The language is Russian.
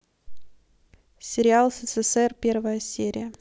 сериал ссср первая серия